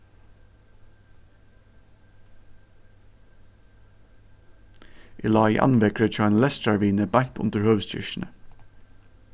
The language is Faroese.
eg lá í andvekri hjá einum lestrarvini beint undir høvuðskirkjuni